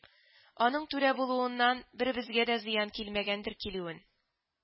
— аның түрә булуыннан беребезгә дә зыян килмәгәндер килүен